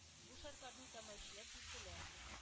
Бу шартларны үтәмәүчеләр, билгеле,